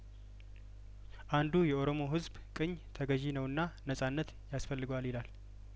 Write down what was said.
አንዱ የኦሮሞ ህዝብ ቅኝ ተገዥ ነውና ነጻነት ያስፈልገዋል ይላል